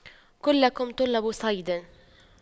كلكم طلب صيد